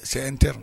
C'est interne